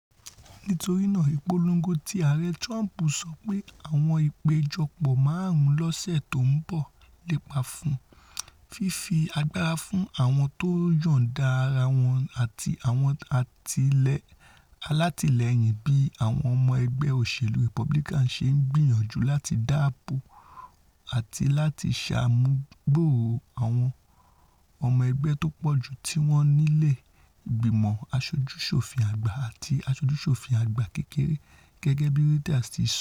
Nítorínáa, ìpolongo ti Ààrẹ Trump sọ pé àwọn ìpéjọpọ̀ máàrún lọ́sẹ̀ tó ńbọ̀ ńlépa fún ''fífi agbára fún àwọn tóyọ̀ǹda ara wọn àti àwọn alátìlẹ́yìn bí àwọn ọmọ ẹgbẹ́ òṣelú Rebulicans ṣe ńgbìyànjú láti dáàbò àti láti ṣàmúgbòòrò àwọn ọmọ ẹgbẹ́ tópọ̀ju tíwọ́n nílé Ìgbìmọ̀ Aṣojú-ṣòfin Àgbà ati ti Aṣojú-ṣòfin Àgbà kékeré,'' gẹ́gẹ̵̵́bí Reuters ti sọ.